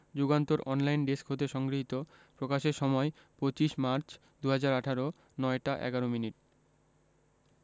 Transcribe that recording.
Jugantor online desk হতে সংগৃহীত প্রকাশের সময় ২৫ মার্চ ২০১৮ ০৯ টা ১১ মিনিট